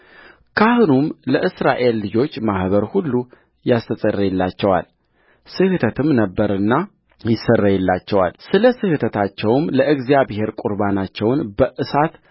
ካህኑም ለእስራኤል ልጆች ማኅበር ሁሉ ያስተሰርይላቸዋል ስሕተትም ነበረና ይሰረይላቸዋል ስለ ስሕተታቸውም ለእግዚአብሔር ቍርባናቸውን በእሳት